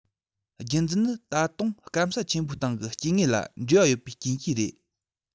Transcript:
རྒྱུད འཛིན ནི ད དུང སྐམ ས ཆེན པོའི སྟེང གི སྐྱེ དངོས ལ འབྲེལ བ ཡོད པའི རྐྱེན གྱིས རེད